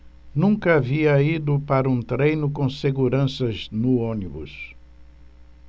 nunca havia ido para um treino com seguranças no ônibus